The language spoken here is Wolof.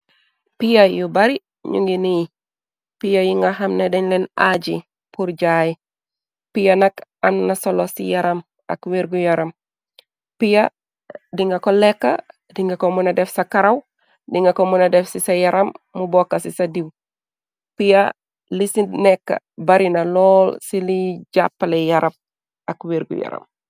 Pia yu bari ñu ngi ni. Pia yi nga xamne deñ leen aaji purjaay piyanak ànna solo ci yaram ak wergu-yaram. piya di nga ko lekka dinga ko mëna def ca karaw dinga ko mëna def ci ca yaram mu bokka ci ca diiw piya li ci nekk bari na lool ci li jàppale yarab ak wergu yaram.